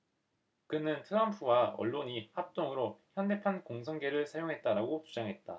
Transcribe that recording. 그는 트럼프와 언론이 합동으로 현대판 공성계를 사용했다라고 주장했다